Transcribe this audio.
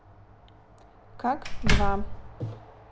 как два